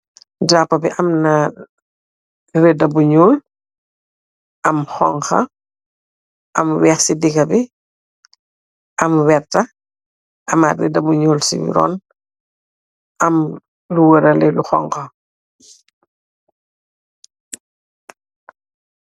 Darapo bi amna reeda bu nuul am lu xonxa am lu weex si daga bi am wertah amat reeda bu nuul si runn am lu warele lu xonxa.